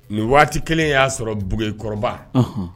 Nin waati kelen in y'a sɔrɔ Dugeli kɔrɔba